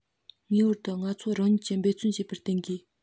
ངེས པར དུ ང ཚོ རང ཉིད ཀྱིས འབད བརྩོན བྱེད པར བརྟེན དགོས